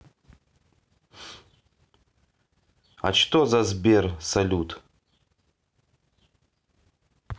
а что за сбер салют